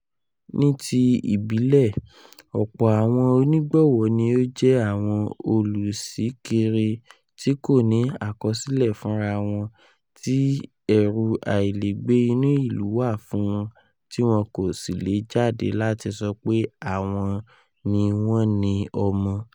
Niti ibilẹ, ọpọ awọn onigbọwọ nio jẹ awọn oluṣikiri ti koni akọsilẹ fun ra wọn, ti ẹru ailegbe inu ilu wa fun wọn ti wọn kosi le jade lati sọ pe awọn ni wọn ni ọmọ.